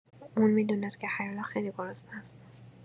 اون می‌دونست که هیولا خیلی گرسنه است.